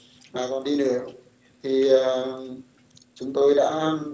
mà còn đi nữa thì à chúng tôi đã